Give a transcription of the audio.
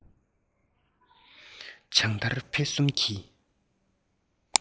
བྱུང དར འཕེལ གསུམ གྱི